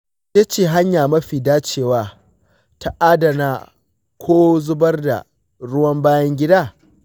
wace ce hanya mafi dacewa ta adana ko zubar da ruwan bayan gida?